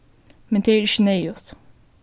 men tað er ikki neyðugt